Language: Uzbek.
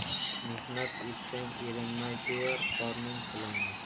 mehnat etsang erinmay to'yar qorning tilanmay